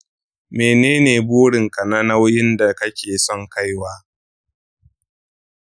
menene burin ka na nauyin da kake son kaiwa?